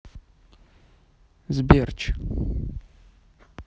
сбер ч